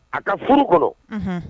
A ka furu kɔnɔ